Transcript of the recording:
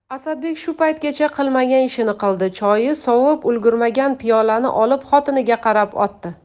asadbek shu paytgacha qilmagan ishini qildi choyi sovib ulgurmagan piyolani olib xotiniga qarab otdi